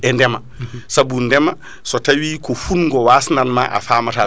e ndeema saabu ndeema so tawi ko fungo wasnan ma a faamata ɗum